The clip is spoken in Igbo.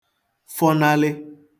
fọnalị